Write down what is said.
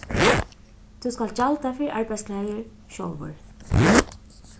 tú skalt gjalda fyri arbeiðsklæðir sjálvur